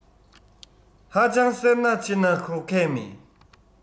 ཧ ཅང སེར སྣ ཆེ ན འཁོར མཁན མེད